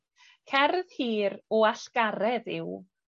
Cerdd hir o allgaredd yw